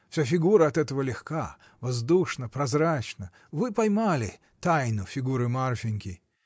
Вся фигура от этого легка, воздушна, прозрачна: вы поймали тайну фигуры Марфиньки.